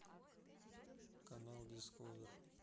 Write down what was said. канал дисковер